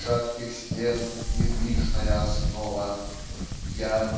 шатких стен недвижная основа, Я